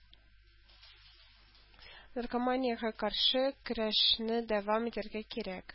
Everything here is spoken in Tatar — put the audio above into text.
“наркоманиягә каршы көрәшне дәвам итәргә кирәк”